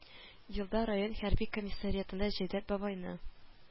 Елда район хәрби комиссариатында җәүдәт бабайны